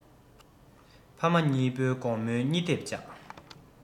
ཕ མ གཉིས པོའི དགོང མོའི གཉིད ཐེབས བཅག